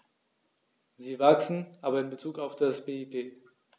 Sie wachsen, aber in bezug auf das BIP.